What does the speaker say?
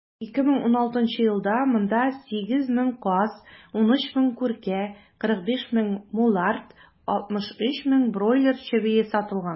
2016 елда монда 8 мең каз, 13 мең күркә, 45 мең мулард, 63 мең бройлер чебие сатылган.